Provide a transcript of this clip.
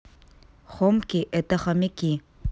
хомки это хомяки